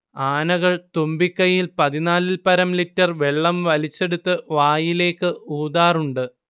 ആനകൾ തുമ്പിക്കൈയിൽ പതിനാലിൽപ്പരം ലിറ്റർ വെള്ളം വലിച്ചെടുത്ത് വായിലേക്ക് ഊതാറുണ്ട്